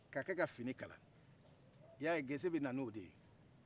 ka kɛ ka fini kala i ya ye gese bɛna n'o de ye